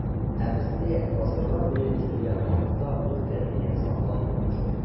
Ә бездә, гасырлар буе изелгән халыкта, ул тәрбия сакланмаган шул.